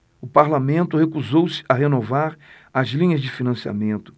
o parlamento recusou-se a renovar as linhas de financiamento